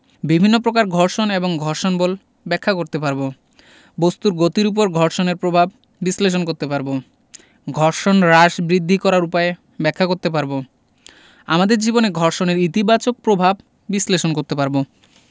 বিভিন্ন প্রকার ঘর্ষণ এবং ঘর্ষণ বল ব্যাখ্যা করতে পারব বস্তুর গতির উপর ঘর্ষণের প্রভাব বিশ্লেষণ করতে পারব ঘর্ষণ হ্রাস বৃদ্ধি করার উপায় ব্যাখ্যা করতে পারব আমাদের জীবনে ঘর্ষণের ইতিবাচক প্রভাব বিশ্লেষণ করতে পারব